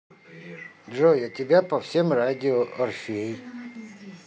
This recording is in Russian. джой а тебя по всем радио орфей